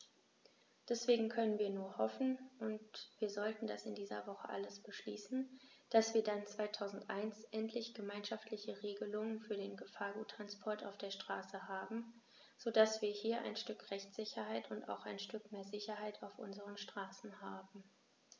Deswegen können wir nur hoffen - und wir sollten das in dieser Woche alles beschließen -, dass wir dann 2001 endlich gemeinschaftliche Regelungen für den Gefahrguttransport auf der Straße haben, so dass wir hier ein Stück Rechtssicherheit und auch ein Stück mehr Sicherheit auf unseren Straßen haben.